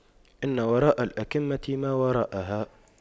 إن وراء الأَكَمةِ ما وراءها